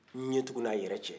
ɲɛ tugun n'a yɛlɛ cɛ